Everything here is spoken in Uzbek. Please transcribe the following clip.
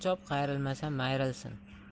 chop qayrilmasa mayrilsin